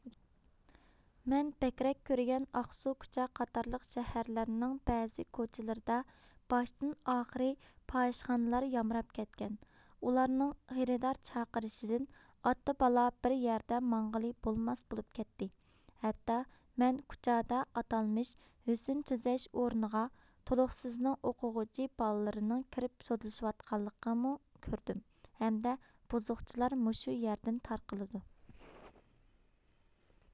مەن بەكرەك كۆرگەن ئاقسۇ كۇچا قاتارلىق شەھەرلەرنىڭ بەزى كوچىلىردا باشتن ئاخىرى پاھىشخانىلار يامراپ كەتكەن ئۇلارنڭ خېرىدار چاقىرشىدىن ئاتا بالا بىر يەردە ماڭغىلى بولماس بولۇپ كەتتى ھەتتا مەن كۇچادا ئاتالمىش ھۆسىن تۈزەش ئورنىغا تولۇقسزنىڭ ئوقۇغۇچى بالىلىرىنىڭ كىرىپ سودىلىشىۋاتقانلىقىمۇ كۆردۈم ھەممە بۇزۇقچىلىقلار موشۇ يەردىن تارقىلدۇ